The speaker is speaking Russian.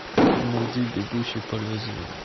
найди бегущий по лезвию